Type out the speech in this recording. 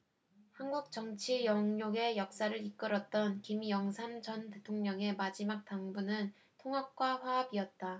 한국정치 영욕의 역사를 이끌었던 김영삼 전 대통령의 마지막 당부는 통합과 화합이었다